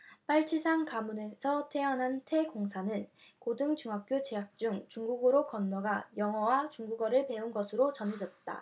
빨치산 가문에서 태어난 태 공사는 고등중학교 재학 중 중국으로 건너가 영어와 중국어를 배운 것으로 전해졌다